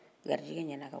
i taa b'ɔ i jatigi ka so